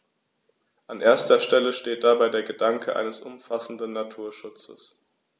An erster Stelle steht dabei der Gedanke eines umfassenden Naturschutzes.